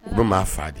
U bɛ maa fa di